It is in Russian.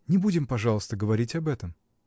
Не будем, пожалуйста, говорить об этом.